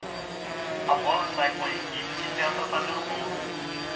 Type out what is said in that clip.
a bola sai com a equipe que tenta fazer o gol